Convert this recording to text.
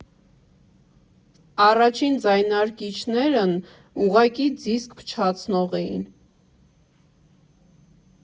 Առաջին ձայնարկիչներն ուղղակի դիսկ փչացնող էին։